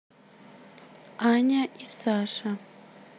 аня и саша